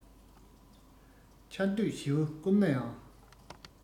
ཆར འདོད བྱེའུ སྐོམ ན ཡང